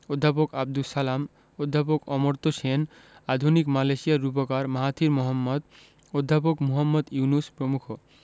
অধ্যাপক আবদুস সালাম অধ্যাপক অমর্ত্য সেন আধুনিক মালয়েশিয়ার রূপকার মাহাথির মোহাম্মদ অধ্যাপক মুহম্মদ ইউনুস প্রমুখ